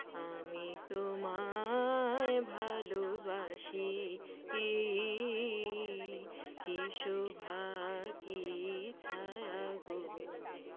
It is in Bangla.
আমি তোমায় ভালোবাসি কী শোভা কী ছায়া গো